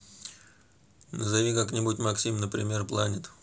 назови как нибудь максим например planet